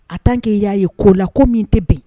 En tant que i y'a ko la, ko min tɛ bɛn